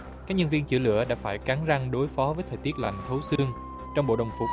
các nhân viên chữa lửa đã phải cắn răng đối phó với thời tiết lạnh thấu xương trong bộ đồng phục